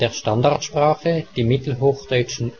Standardsprache die mittelhochdeutschen